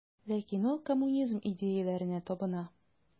Ләкин ул коммунизм идеяләренә табына.